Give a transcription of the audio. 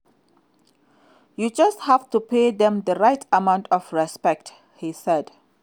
You just have to pay them the right amount of respect," he said.